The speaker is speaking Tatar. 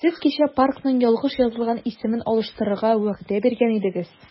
Сез кичә паркның ялгыш язылган исемен алыштырырга вәгъдә биргән идегез.